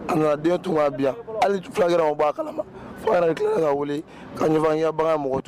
A nana den tun hali filara b'a ka kaya bange mɔgɔ tɛ